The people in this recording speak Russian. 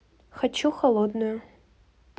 хочу холодную